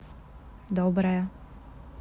добрая